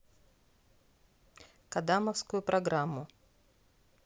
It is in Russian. кадамовскую программу